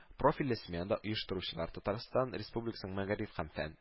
Профильле сменада оештыручылар – Татарстан Республикасы Мәгариф һәм фән